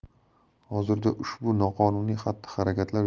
hozirda ushbu noqonuniy xatti harakatlar